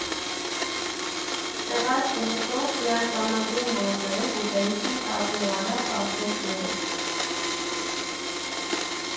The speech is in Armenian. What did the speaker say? Ճղած ջինսով, ծիածանագույն մազերով ու դեմքին տատու արած արցունքներով.